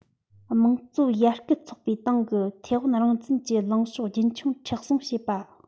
དམངས གཙོ ཡར སྐུལ ཚོགས པའི ཏང གིས ཐའེ ཝན རང བཙན གྱི ལངས ཕྱོགས རྒྱུན འཁྱོངས མཁྲེགས བཟུང བྱེད པ